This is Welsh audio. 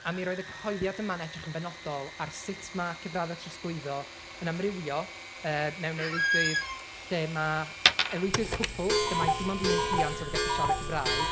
A mi roedd y cyhoeddiad yma'n edrych yn benodol ar sut ma' cyfraddau trosglwyddo yn amrywio yy mewn aelwydydd lle ma', aelwydydd cwpwl lle mai dim ond un rhiant oedd yn gallu siarad Cymraeg.